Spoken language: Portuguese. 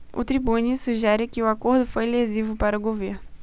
o tribune sugere que o acordo foi lesivo para o governo